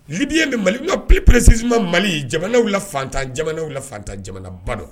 Biyɛn de mali ppresi ma mali jamanaw la fantan jamanaw la fantan jamanabadɔ